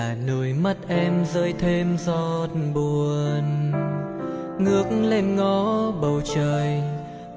là nơi mất em rơi thêm giọt buồn ngước lên ngó bầu trời